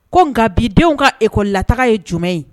Ko nka bidenw ka ekɔ la taga ye jumɛn ye